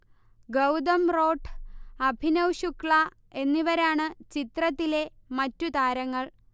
ഗൗതം റോഢ്, അഭിനവ് ശുക്ല എന്നിവരാണ് ചിത്രത്തിലെ മറ്റു താരങ്ങൾ